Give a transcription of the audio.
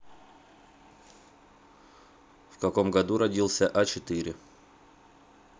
в каком году родился а четыре